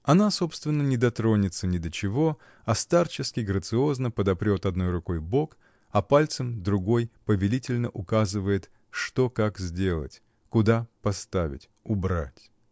Она собственно не дотронется ни до чего, а старчески грациозно подопрет одной рукой бок, а пальцем другой повелительно указывает, что как сделать, куда поставить, убрать.